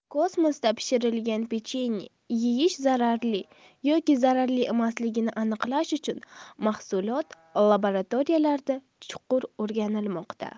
kosmosda pishirilgan pechenye yeyish zararli yoki zararli emasligini aniqlash uchun mahsulot laboratoriyada chuqur o'rganilmoqda